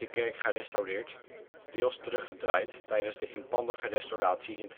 kerk gerestaureerd, deels teruggedraaid tijdens de inpandige restauratie in